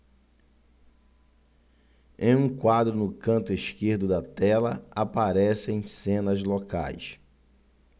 em um quadro no canto esquerdo da tela aparecem cenas locais